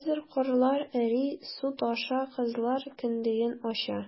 Хәзер карлар эри, су таша - кызлар кендеген ача...